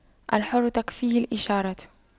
الحر تكفيه الإشارة